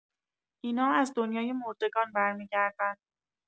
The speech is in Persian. اینا از دنیای مردگان برمی‌گردن